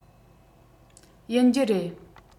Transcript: ཡིན རྒྱུ རེད